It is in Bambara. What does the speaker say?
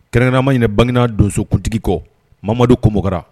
Kɛrɛnnama ɲɛna banna donsokuntigi kɔ mamadu kokurara